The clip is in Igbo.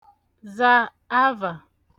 zà avà